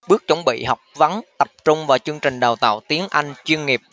bước chuẩn bị học vấn tập trung và chương trình đào tạo tiếng anh chuyên nghiệp